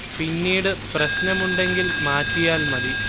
പിന്നീട് പ്രശ്നം ഉണ്ടെങ്കിൽ മാറ്റിയാൽ മതി